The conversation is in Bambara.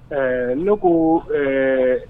Ɛɛ ne ko ɛɛ